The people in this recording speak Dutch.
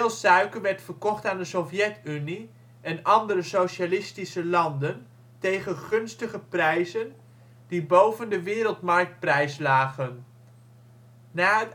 suiker werd verkocht aan de Sovjet-Unie en andere socialistische landen tegen gunstige prijzen die boven de wereldmarktprijs lagen. Na